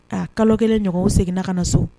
A kalo 1 ɲɔgɔn u seginna kana so